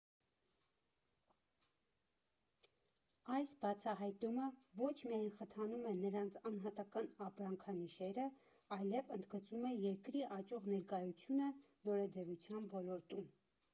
Այս բացահայտումը ոչ միայն խթանում է նրանց անհատական ապրանքանիշերը, այլև ընդգծում է երկրի աճող ներկայությունը նորաձևության ոլորտում։